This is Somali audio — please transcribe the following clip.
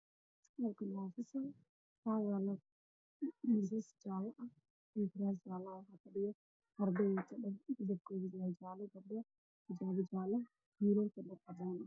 Halkaan waxaa ka muuqdo arday wiilal iyo gabdho oo fadhiyo kuraasta guduud gabdhaha waxay qabaan dhar cadays ah wiilashana shaati cadaan iyo surwaal cadays